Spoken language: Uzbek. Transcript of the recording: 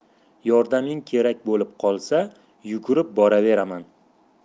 yordaming kerak bo'lib qolsa yugurib boraveraman